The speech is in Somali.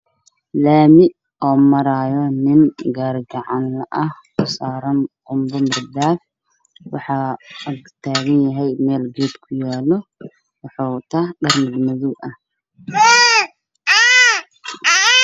Waa lami waxaa maraayo nin gaari gacan wato geed cagaaran ayuu hoos joogaa guri ayaa ku yaalla